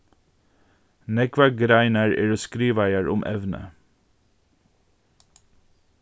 nógvar greinar eru skrivaðar um evnið